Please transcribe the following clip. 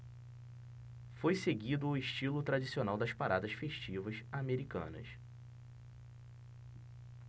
foi seguido o estilo tradicional das paradas festivas americanas